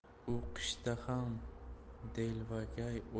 u qishda ham delvagay ochib yuradigan